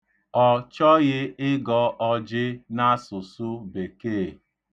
Ọ chọghị ịgọ ọjị n'asụsụ Bekee.